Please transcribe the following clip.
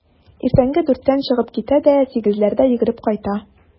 Иртәнге дүрттән чыгып китә дә сигезләрдә йөгереп кайта.